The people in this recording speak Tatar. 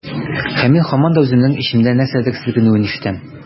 Һәм мин һаман да үземнең эчемдә нәрсәдер селкенүен ишетәм.